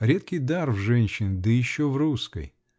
редкий дар в женщине, да еще в русской!